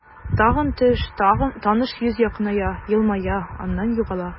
Тагын төш, таныш йөз якыная, елмая, аннан югала.